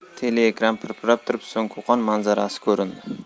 teleekran pirpirab turib so'ng qo'qon manzarasi ko'rindi